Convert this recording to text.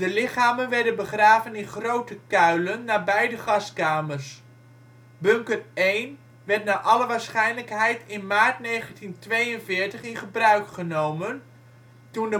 lichamen werden begraven in grote kuilen nabij de gaskamers. Bunker 1 werd naar alle waarschijnlijkheid in maart 1942 in gebruik genomen, toen